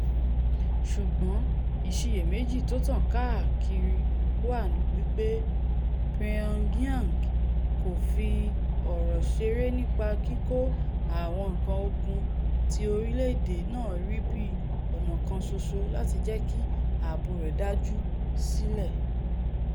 Ṣùgbọ́n ìsiyèméjì tótàn káàkiri wà wí pé Pyongyang kòfi ọ̀rọ̀ ṣeré nípa kíkọ àwọn nǹkan ogun tí orílẹ̀-èdè náà rí bí ọ̀nà kan ṣoṣo láti jẹ́kí ààbò rẹ̀ dájú sílẹ̀.